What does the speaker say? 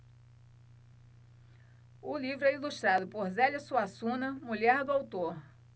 o livro é ilustrado por zélia suassuna mulher do autor